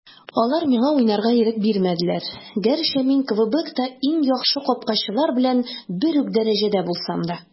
Алар миңа уйнарга ирек бирмәделәр, гәрчә мин Квебекта иң яхшы капкачылар белән бер үк дәрәҗәдә булсам да.